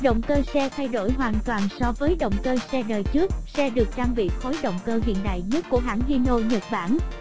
động cơ xe thay đổi hoàn toàn so với động cơ xe đời trước xe được trang bị khối động cơ hiện đại nhất của hãng hino nhật bản